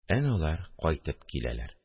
Әнә алар кайтып киләләр